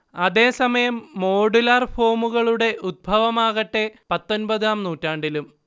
അതേസമയം, മോഡുലാർ ഫോമുകളുടെ ഉത്ഭവമാകട്ടെ, പത്തൊൻപതാം നൂറ്റാണ്ടിലും